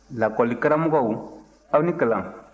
lakɔlikaramɔgɔw aw ni kalan